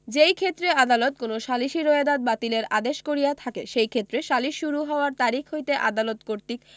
যেইক্ষেত্রে আদালত কোন সালিসী রোয়েদাদ বাতিলের আদেশ করিয়া থাকে সেইক্ষেত্রে সালিস শুরু হওয়ার তারিখ হইতে আদালত কর্তৃক